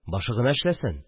Башы гына эшләсен